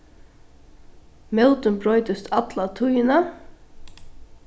mótin broytist alla tíðina